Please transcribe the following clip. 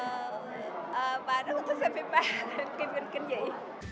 ờ ờ và rất là thích xem phim ma phim kinh dị